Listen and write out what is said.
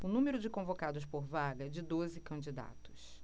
o número de convocados por vaga é de doze candidatos